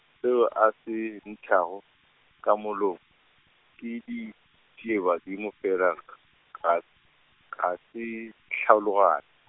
seo a se ntšhago, ka molomo, ke ditšiebadimo fela ga, ga se tlhalogan-.